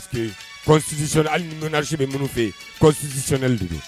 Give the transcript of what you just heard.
Alisi bɛ minnu fɛsi s duuru